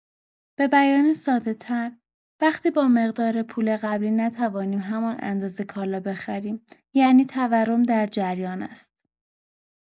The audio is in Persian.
به بیان ساده‌‌تر، وقتی با مقدار پول قبلی نتوانیم همان اندازه کالا بخریم، یعنی تورم در جریان است.